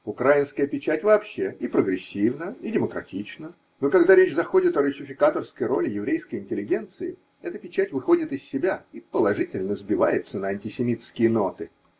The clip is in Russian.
Украинская печать вообще и прогрессивна, и демократична, но когда речь заходит о руссификаторской роли еврейской интеллигенции, эта печать выходит из себя и положительно сбивается на антисемитские ноты.